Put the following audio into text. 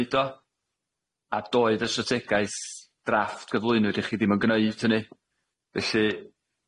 neud o a doedd y strategaeth drafft gyflwynwyd i chi ddim yn gneud hynny felly